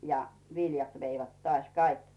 ja viljat veivät taas kaikki